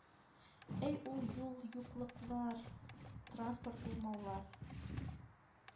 Әй ул юл юклыклар, транспорт булмаулар,